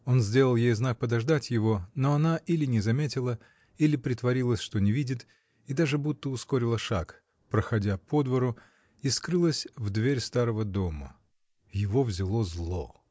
Он сделал ей знак подождать его, но она или не заметила, или притворилась, что не видит, и даже будто ускорила шаг, проходя по двору, и скрылась в дверь старого дома. Его взяло зло.